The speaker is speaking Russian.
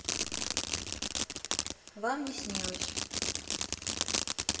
вам не снилось